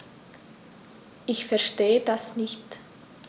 Ich verstehe das nicht.